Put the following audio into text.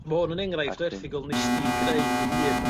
Ma' hwn yn un engraifft o erthygl nesdi greu dy hun